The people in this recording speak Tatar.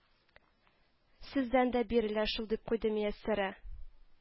—сездән дә бирелә шул,—дип куйды мияссәрә